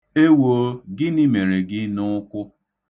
Ewoo! Gịnị mere gị n'ukwu?